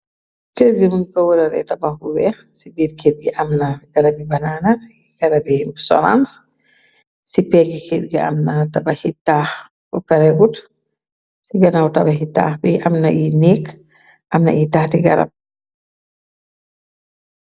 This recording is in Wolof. Kërgi mun ko wërala tabax bu weex. Ci biir kërgi am na garabyi banaana garabi sorans ci peggi xit gi am na tabaxi bu kareuut. Ci ganaaw tabaxi taax bi amna i nekk amna iy taxti garab.